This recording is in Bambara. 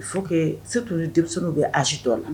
Fo se tun denmisɛnninw bɛ asi dɔ la